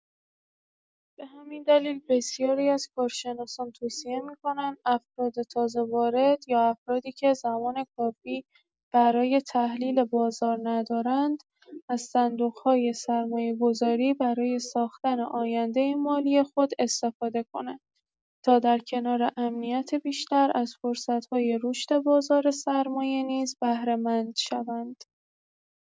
به همین دلیل بسیاری از کارشناسان توصیه می‌کنند افراد تازه‌وارد یا افرادی که زمان کافی برای تحلیل بازار ندارند، از صندوق‌های سرمایه‌گذاری برای ساختن آینده مالی خود استفاده کنند تا در کنار امنیت بیشتر، از فرصت‌های رشد بازار سرمایه نیز بهره‌مند شوند.